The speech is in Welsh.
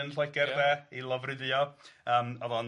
de ei lofruddio yym oedd o'n